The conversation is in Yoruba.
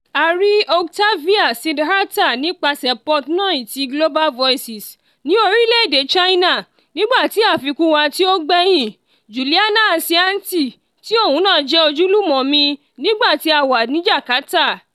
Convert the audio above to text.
A rí Oktavia Sidharta nípasẹ̀ Portnoy ti Global Voices ní orílẹ̀ èdè China, nígbà tí àfikún wa tí ó gbẹ́yìn, Juliana Harsianti, tí òun náà jẹ́ ojúlùmọ̀ mi nígbà tí a wà ní Jakarta.